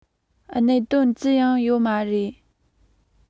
གནད དོན ཅི ཡང ཡོད མ རེད